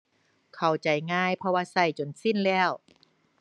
เข้าใจง่าย เพราะว่าใช้จนชินแล้ว